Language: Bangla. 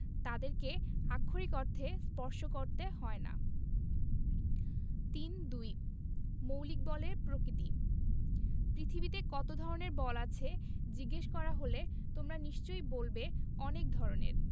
তাদেরকে আক্ষরিক অর্থে স্পর্শ করতে হয় না ৩২ মৌলিক বলের প্রকৃতিঃ পৃথিবীতে কত ধরনের বল আছে জিজ্ঞেস করা হলে তোমরা নিশ্চয়ই বলবে অনেক ধরনের